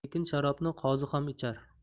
tekin sharobni qozi ham ichar